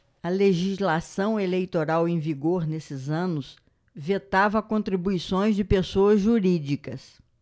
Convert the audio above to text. a legislação eleitoral em vigor nesses anos vetava contribuições de pessoas jurídicas